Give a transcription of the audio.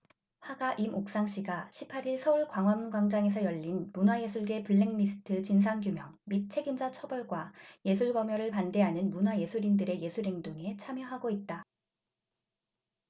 화가 임옥상씨가 십 팔 일 서울 광화문광장에서 열린 문화예술계 블랙리스트 진상규명 및 책임자 처벌과 예술검열을 반대하는 문화예술인들의 예술행동에 참여하고 있다